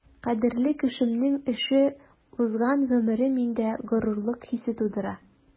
Кадерле кешемнең эше, узган гомере миндә горурлык хисе тудыра.